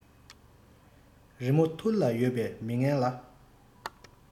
རི མོ ཐུར ལ ཡོད པའི མི ངན ལ